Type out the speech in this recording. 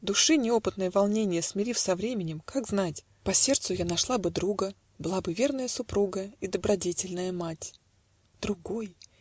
Души неопытной волненья Смирив со временем (как знать?), По сердцу я нашла бы друга, Была бы верная супруга И добродетельная мать. Другой!.